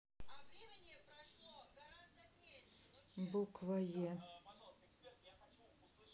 буква е